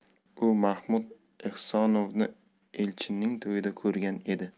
u mahmud ehsonovni elchinning to'yida ko'rgan edi